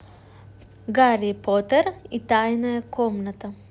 гарри поттер и тайная комната